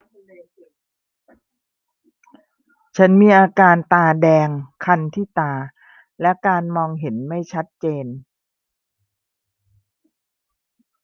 ฉันมีอาการตาแดงคันที่ตาและการมองเห็นไม่ชัดเจน